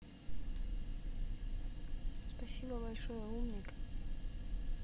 спасибо большое умник